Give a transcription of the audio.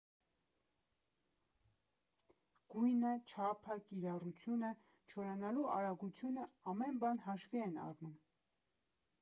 Գույնը, չափը, կիրառությունը, չորանալու արագությունը, ամեն բան հաշվի են առնում։